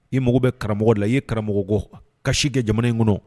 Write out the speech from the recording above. I mago bɛ karamɔgɔ de la i ye karamɔgɔ go kasi kɛ jamana in kɔnɔ